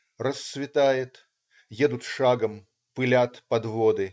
Рассветает, едут шагом - пылят подводы.